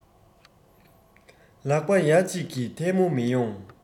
ལག པ ཡ གཅིག གིས ཐལ མོ མི ཡོང